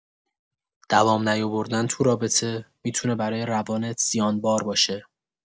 دوام نیوردن تو رابطه می‌تونه برای روانت زیانبار باشه.